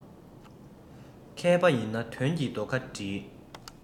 མཁས པ ཡིན ན དོན གྱི རྡོ ཁ སྒྲིལ